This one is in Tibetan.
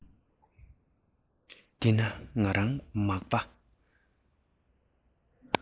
འདི ན ང རང མག པ